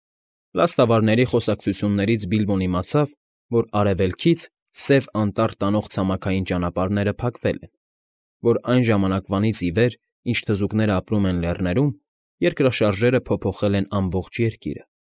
Լաստավարների խոսակցություններից Բիլբոն իմացավ, որ արևելքից Սև Անտառ տանող ցամաքային ճանապարհները փակվել են, որ այն ժամանակից ի վեր, ինչ թզուկներն ապրում են լեռներում, երկրաշարժերը փոփոխել են ամբողջ երկիրը,